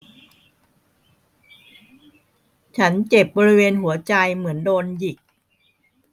ฉันเจ็บบริเวณหัวใจเหมือนโดนหยิก